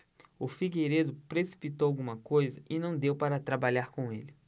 o figueiredo precipitou alguma coisa e não deu para trabalhar com ele